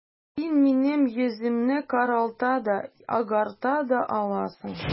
Син минем йөземне каралта да, агарта да аласың...